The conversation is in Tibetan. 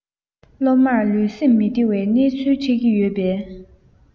སློབ མར ལུས སེམས མི བདེ བའི གནས ཚུལ འཕྲད ཀྱི ཡོད པས